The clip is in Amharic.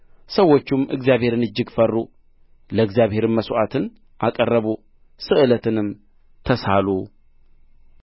ሰዎችም እግዚአብሔርን እጅግ ፈሩ ለእግዚአብሔርም መሥዋዕትን አቀረቡ ስእለትንም ተሳሉ